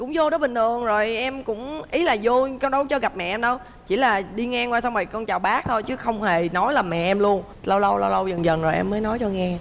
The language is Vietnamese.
cũng vô đó bình thường rồi em cũng ý là vô nhưng em đâu có cho gặp mẹ đâu chỉ là đi ngang qua xong rồi con chào bác thôi chứ không hề nói là mẹ em luôn lâu lâu lâu lâu dần dần rồi em mới nói cho nghe